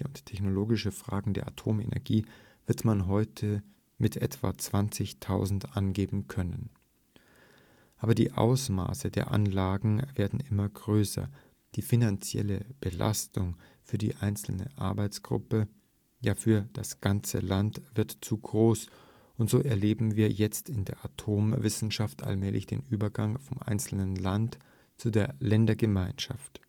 technologische Fragen der Atomkernenergie wird man heute mit etwa 20.000 angeben können. Aber die Ausmaße der Anlagen werden immer größer, die finanzielle Belastung für die einzelne Arbeitsgruppe, ja für ein ganzes Land wird zu groß, und so erleben wir jetzt in der Atomwissenschaft allmählich den Übergang vom einzelnen Land zu der Ländergemeinschaft